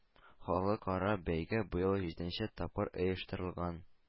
Халыкара бәйге быел җиденче тапкыр оештырылган.